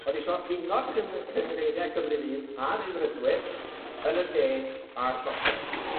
O'dd isio uno'r cym- cyngreiria Cymru Fydd a Rhyddfrydwyr yn y De a'r Gogledd.